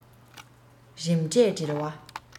རིམ གྲས འབྲེལ བ